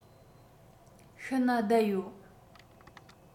ཕྱི ན བསྡད ཡོད